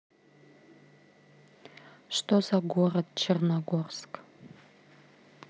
что за город черногорск